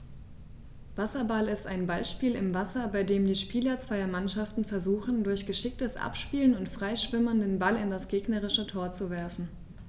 Wasserball ist ein Ballspiel im Wasser, bei dem die Spieler zweier Mannschaften versuchen, durch geschicktes Abspielen und Freischwimmen den Ball in das gegnerische Tor zu werfen.